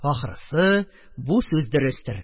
Ахрысы бу сүз дөрестер.